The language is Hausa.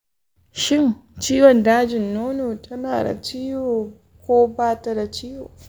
shin ciwon dajin nono tana da ciwo ko ba ta da ciwo?